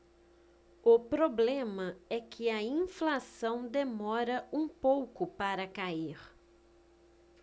o problema é que a inflação demora um pouco para cair